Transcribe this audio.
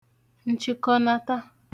nchịkọnata